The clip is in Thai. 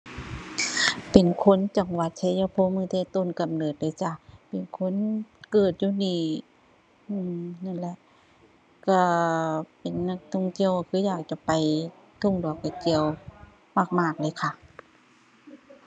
เป็นคนจังหวัดชัยภูมิตั้งแต่ต้นกำเนิดเลยจ้ะ เป็นคนเกิดอยู่นี่ อือ นั่นล่ะ ก็เป็นนักท่องเที่ยวก็คืออยากจะไปทุ่งดอกกระเจียวมากมากเลยค่ะ